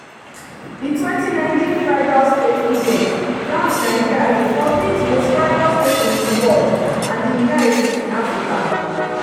The 2019 Fragile States Index ranked Nigeria as the 14th most fragile state in the world and the ninth in Africa.